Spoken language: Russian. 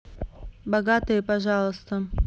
богатые пожалуйста